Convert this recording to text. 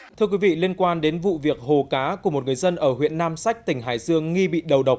thưa quý vị liên quan đến vụ việc hồ cá của một người dân ở huyện nam sách tỉnh hải dương nghi bị đầu độc